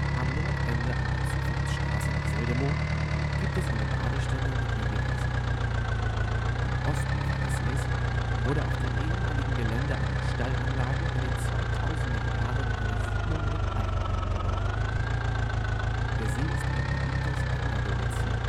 Am Nordende an der Zufahrtsstraße nach Sildemow gibt es eine Badestelle mit Liegewiese. Am Ostufer des Sees wurde auf dem ehemaligen Gelände einer Stallanlage in den 2000er Jahren eine Siedlung mit Eigenheimen gebaut. Der See ist ein beliebtes Anglerdomizil